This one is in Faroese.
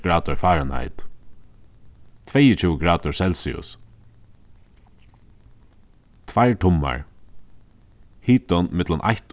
gradir fahrenheit tveyogtjúgu gradir celsius tveir tummar hitin millum eitt